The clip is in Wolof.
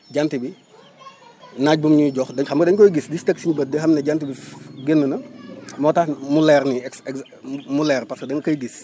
jant bi naaj bu mu ñuy jox dañ xam nga dañ koy gis di si teg suñu bët ba xam ne jant bi fu génn na moo tax mu leer nii exe mu leer parce que dañ koy gis